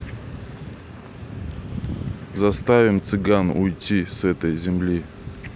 заставим цыган уйти с этой земли